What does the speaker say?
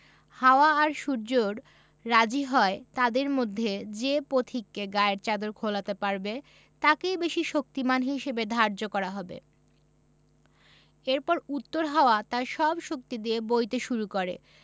হাওয়া আর সূর্য রাজি হয় তাদের মধ্যে যে পথিকে গায়ের চাদর খোলাতে পারবে তাকেই বেশি শক্তিমান হিসেবে ধার্য করা হবে এরপর উত্তর হাওয়া তার সব শক্তি দিয়ে বইতে শুরু করে